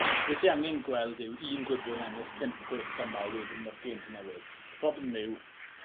be' sy angen gweld yw un gwibiwr yn ennill pump chwech cymal wedyn ma'r gem 'di newydd. Y problem yw